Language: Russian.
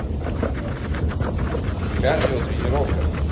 кардио тренировка